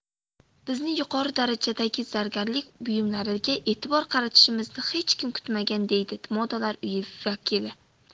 bizni yuqori darajadagi zargarlik buyumlariga e'tibor qaratishimizni hech kim kutmagan deydi modalar uyi vakili